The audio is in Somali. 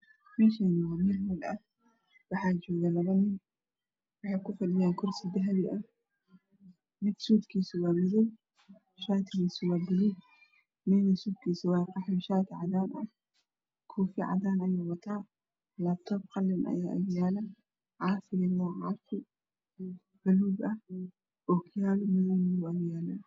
Mashan waa fadhiyo labo nin dharka kalarka ey watan waa baluug iyo qahwi iyo madow kursiga eey kufadhan waa dahabi